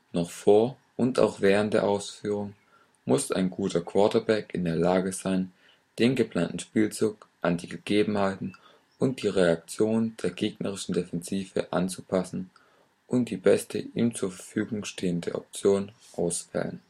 Noch vor und auch während der Ausführung muss ein guter Quarterback in der Lage sein, den geplanten Spielzug an die Gegebenheiten und die Reaktionen der gegnerischen Defensive anzupassen und die beste ihm zur Verfügung stehende Option auswählen